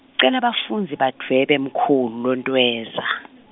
cela bafundzi badvwebe mkhulu Lontweza .